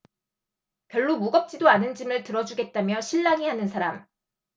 별로 무겁지도 않은 짐을 들어주겠다며 실랑이 하는 사람